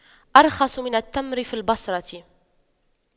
أرخص من التمر في البصرة